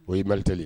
O ye maritɛ